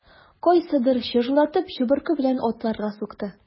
Кайсыдыр чыжлатып чыбыркы белән атларга сукты.